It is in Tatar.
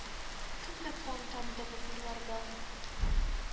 Күпме кан тамды бу кырларга.